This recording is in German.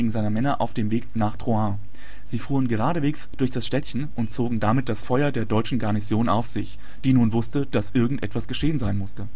seiner Männer auf dem Weg nach Troarn. Sie fuhren geradewegs durch das Städtchen und zogen damit das Feuer der deutschen Garnison auf sich, die nun wusste, dass irgendetwas geschehen sein musste